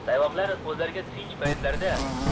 sayg'oqlar o'zlariga tinch paytlarida